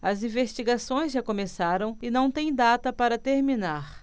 as investigações já começaram e não têm data para terminar